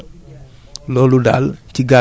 sa desitu ceeb sax matière organique la